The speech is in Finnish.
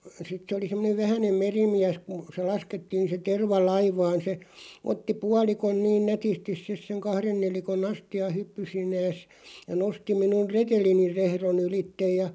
sitten se oli semmoinen vähäinen merimies kun se laskettiin se terva laivaan se otti puolikon niin nätisti sitten sen kahden nelikon astian hyppysineen ja nosti minun retelini rehdon ylitse ja